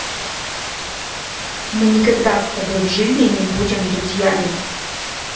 мы никогда с тобой в жизни не будем друзьями